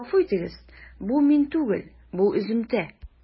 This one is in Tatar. Гафу итегез, бу мин түгел, бу өземтә.